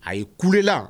A kulela